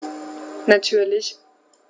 Natürlich.